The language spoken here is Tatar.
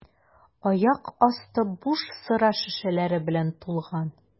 Аяк асты буш сыра шешәләре белән тулган.